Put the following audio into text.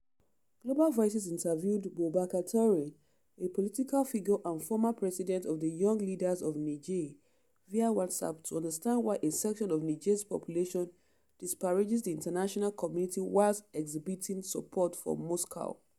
Global Voices interviewed Boubacar Touré, a political figure and former president of the Young Leaders of Niger, via WhatsApp to understand why a section of Niger's population disparages the international community whilst exhibiting support for Moscow.